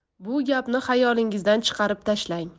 bu gapni xayolingizdan chiqarib tashlang